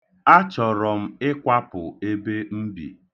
Achọrọ m ịkwapụ ebe m bi.